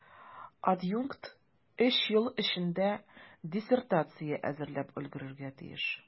Адъюнкт өч ел эчендә диссертация әзерләп өлгерергә тиеш.